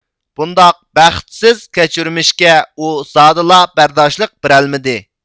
بۇنداق بەختىسىز كەچۈرمىشىكە ئۇ زادىلا بەرداشلىق بېرەلمىدى